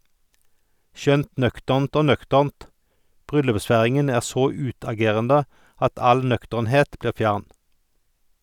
Skjønt nøkternt og nøkternt - bryllupsfeiringen er så utagerende at all nøkternhet blir fjern.